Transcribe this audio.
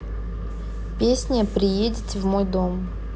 песня приедете в мой дом